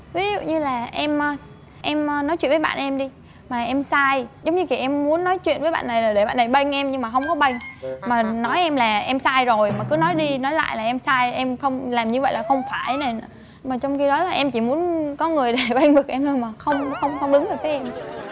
ví dụ như là em a em a nói chuyện với bạn em đi mà em sai giống như kiểu em muốn nói chuyện với bạn này là để bạn này bênh em nhưng mà không có bênh mà nói em là em sai rồi mà cứ nói đi nói lại là em sai em không làm như vậy là không phải này mà trong khi đó là em chỉ muốn có người để bênh vực em thôi mà không không không đứng về phía em